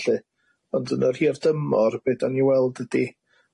lly ond yn yr hir dymor be' 'dan ni weld ydi